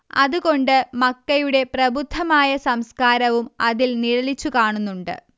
അത് കൊണ്ട് മക്കയുടെ പ്രബുദ്ധമായ സംസ്കാരവും അതിൽ നിഴലിച്ചു കാണുന്നുണ്ട്